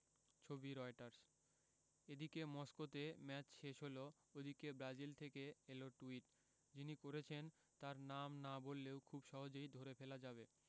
ছবি রয়টার্স এদিকে মস্কোতে ম্যাচ শেষ হলো ওদিকে ব্রাজিল থেকে এল টুইট যিনি করেছেন তাঁর নাম না বললেও খুব সহজেই ধরে ফেলা যাবে